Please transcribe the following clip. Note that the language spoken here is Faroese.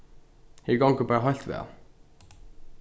her gongur bara heilt væl